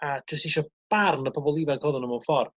a jyst isio barn y pobol ifanc oddon n'w mewn ffor